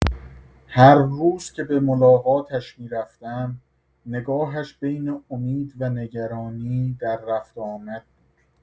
هر روز که به ملاقاتش می‌رفتم، نگاهش بین امید و نگرانی دررفت و آمد بود.